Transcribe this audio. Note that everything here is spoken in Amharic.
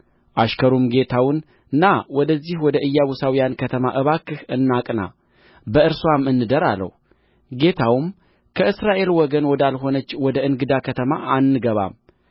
አሽከሩም ጌታውን ና ወደዚህ ወደ ኢያቡሳውያን ከተማ እባክህ እናቅና በእርስዋም እንደር አለው ጌታውም ከእስራኤል ወገን ወዳልሆነች ወደ እንግዳ ከተማ አንገባም